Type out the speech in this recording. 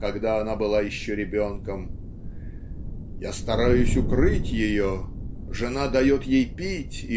когда она была еще ребенком. Я стараюсь укрыть ее жена дает ей пить